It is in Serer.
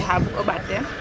xar bug o ɓaat teen,